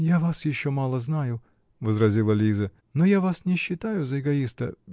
-- Я вас еще мало знаю, -- возразила Лиза, -- но я вас не считаю за эгоиста